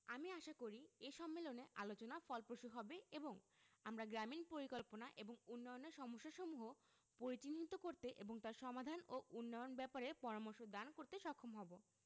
আমি আশা করি এ সম্মেলনে আলোচনা ফলপ্রসূ হবে এবং আমরা গ্রামীন পরিকল্পনা এবং উন্নয়নের সমস্যাসমূহ পরিচিহ্নিত করতে এবং তার সমাধান ও উন্নয়ন ব্যাপারে পরামর্শ দান করতে সক্ষম হবো